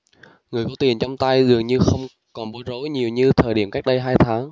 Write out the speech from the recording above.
người có tiền trong tay dường như không còn bối rối nhiều như thời điểm cách đây hai tháng